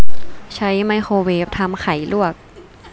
ใช้ไมโครเวฟทำไข่ลวก